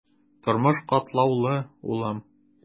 Тормыш катлаулы, улым.